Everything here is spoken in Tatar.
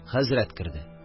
Хәзрәт керде